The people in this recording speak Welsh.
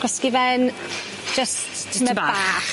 Gwasgi fe'n jyst tymed bach.